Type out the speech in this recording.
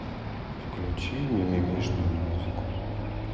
включи мимимишную музыку